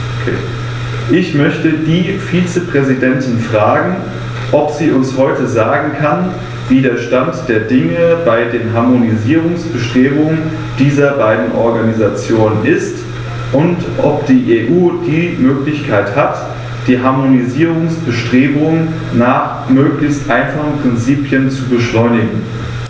Ich möchte die Vizepräsidentin fragen, ob sie uns heute sagen kann, wie der Stand der Dinge bei den Harmonisierungsbestrebungen dieser beiden Organisationen ist, und ob die EU die Möglichkeit hat, die Harmonisierungsbestrebungen nach möglichst einfachen Prinzipien zu beschleunigen.